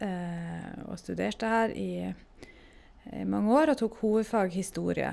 Og studerte her i i mange år og tok hovedfag historie.